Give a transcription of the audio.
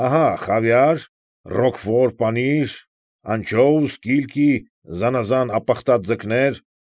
Ահա խավիար, ռոկֆոր պանիր, անչոուս, կիլկի, զանազան ապխտած ձկներ։